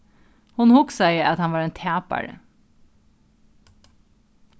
hon hugsaði at hann var ein tapari